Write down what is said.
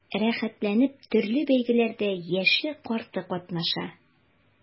Рәхәтләнеп төрле бәйгеләрдә яше-карты катнаша.